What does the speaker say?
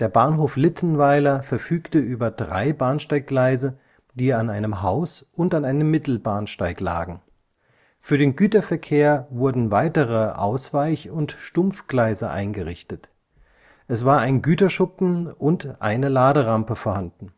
Bahnhof Littenweiler verfügte über drei Bahnsteiggleise, die an einem Haus - und an einem Mittelbahnsteig lagen. Für den Güterverkehr wurden weitere Ausweich - und Stumpfgleise eingerichtet. Es war ein Güterschuppen und ein Laderampe vorhanden